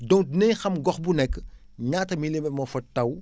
donc dinaén xam gox bu nekk énaata milimètre moo fa taw